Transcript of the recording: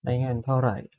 ใช้เงินเท่าไหร่